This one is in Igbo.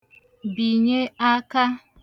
bìnye aka